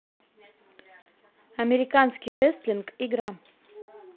американский рестлинг игра